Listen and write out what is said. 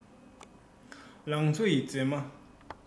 ལང ཚོ ཡི མཛེས པ